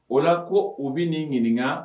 O la ko u bɛ nin ɲininka